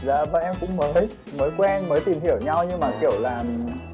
dạ bọn em cũng mới mới quen mới tìm hiểu nhau nhưng mà kiểu là